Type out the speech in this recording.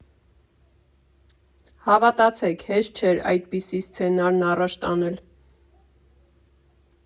Հավատացեք, հեշտ չէր այդպիսի սցենարն առաջ տանել…